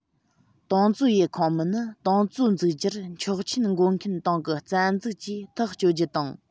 ཏང ཙུའུ ཡི ཁོངས མི ནི ཏང ཙུའུ འཛུགས རྒྱུར ཆོག མཆན འགོད མཁན ཏང གི རྩ འཛུགས ཀྱིས ཐག གཅོད རྒྱུ དང